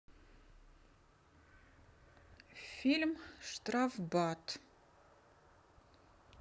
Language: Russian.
фильм штрафбат